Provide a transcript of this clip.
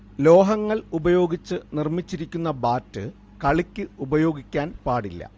ലോഹങ്ങൾ ഉപയോഗിച്ച് നിർമിച്ചിരിക്കുന്ന ബാറ്റ് കളിക്ക് ഉപയോഗിക്കാൻ പാടില്ല